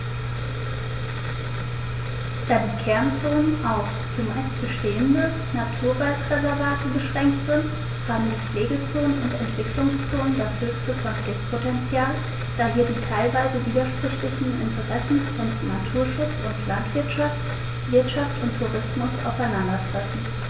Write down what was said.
Da die Kernzonen auf – zumeist bestehende – Naturwaldreservate beschränkt sind, haben die Pflegezonen und Entwicklungszonen das höchste Konfliktpotential, da hier die teilweise widersprüchlichen Interessen von Naturschutz und Landwirtschaft, Wirtschaft und Tourismus aufeinandertreffen.